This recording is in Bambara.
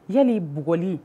Yan ni bugli